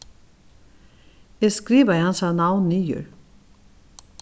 eg skrivaði hansara navn niður